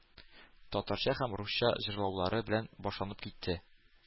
Татарча һәм русча җырлаулары белән башланып китте